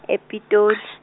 ePitol-.